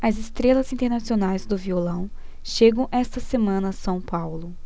as estrelas internacionais do violão chegam esta semana a são paulo